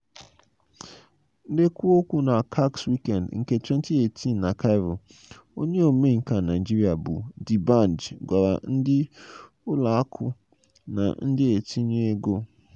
N'ekwu okwu na CAX Weekend nke 2018 na Cairo, onye omenkà Naịjirịa bụ D'Banj gwara ndị ụlọ akụ na ndị na-etinye ego